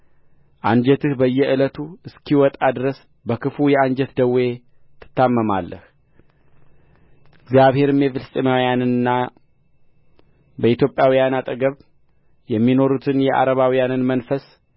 አንጀትህ በየዕለቱ እስኪወጣ ድረስ በክፉ የአንጀት ደዌ ትታመማለህ እግዚአብሔርን የፍልስጥኤማውያንና በኢትዮጵያውያን አጠገብ የሚኖሩትን የዓረባውያንን መንፈስ